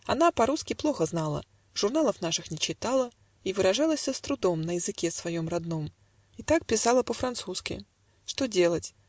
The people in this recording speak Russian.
Она по-русски плохо знала, Журналов наших не читала И выражалася с трудом На языке своем родном, Итак, писала по-французски. Что делать!